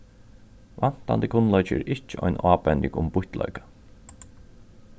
vantandi kunnleiki er ikki ein ábending um býttleika